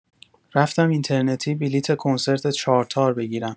رفتم اینترنتی بلیط کنسرت چارتار بگیرم.